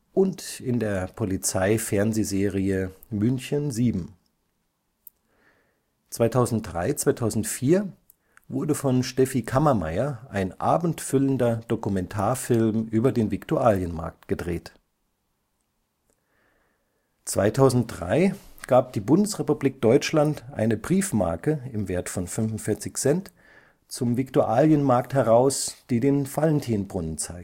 und in der Polizei-Fernsehserie München 7. 2003/2004 wurde von Steffi Kammermeier ein abendfüllender Dokumentarfilm über den Viktualienmarkt gedreht. 2003 gab die Bundesrepublik Deutschland eine Briefmarke (45 Cent) zum Viktualienmarkt heraus, die den Valentinbrunnen zeigt